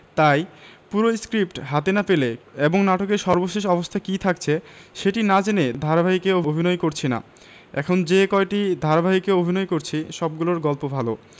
তাই পুরো স্ক্রিপ্ট হাতে না পেলে এবং নাটকের সর্বশেষ অবস্থা কী থাকছে সেটি না জেনে ধারাবাহিকে অভিনয় করছি না এখন যে কয়টি ধারাবাহিকে অভিনয় করছি সবগুলোর গল্প ভালো